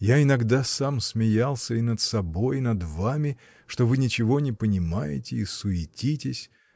я иногда сам смеялся и над собой, и над вами, что вы ничего не понимаете и суетитесь.